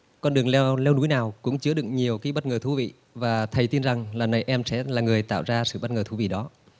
con đường leo leo núi nào cũng chứa đựng nhiều cái bất ngờ thú vị và thầy tin rằng lần này em sẽ là người tạo ra sự bất ngờ thú vị đó